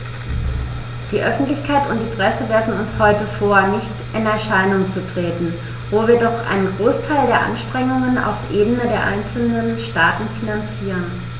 Die Öffentlichkeit und die Presse werfen uns heute vor, nicht in Erscheinung zu treten, wo wir doch einen Großteil der Anstrengungen auf Ebene der einzelnen Staaten finanzieren.